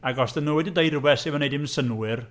Ac os ydyn nhw 'di deud rhywbeth sydd ddim yn wneud dim synnwyr...